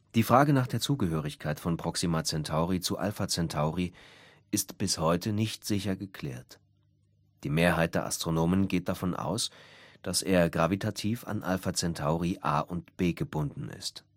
Die Frage nach der Zugehörigkeit von Proxima Centauri zu Alpha Centauri ist bis heute nicht sicher geklärt. Die Mehrheit der Astronomen geht davon aus, dass er gravitativ an Alpha Centauri A und B gebunden ist